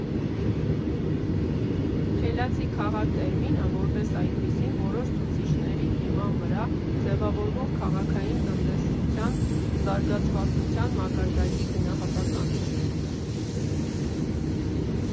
«Խելացի քաղաք» տերմինը, որպես այդպիսին, որոշ ցուցիչների հիման վրա ձևավորվող քաղաքային տնտեսության զարգացվածության մակարդակի գնահատականն է։